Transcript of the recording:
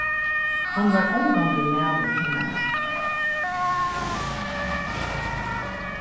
hann var ongantíð maður hennara